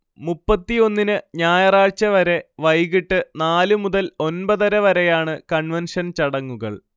മുപ്പത്തിയൊന്നിന് ഞായറാഴ്ച വരെ വൈകീട്ട് നാല് മുതൽ ഒൻപതര വരെയാണ് കൺവെൻഷൻ ചടങ്ങുകൾ